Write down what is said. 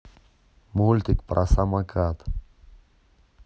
мультик про самокат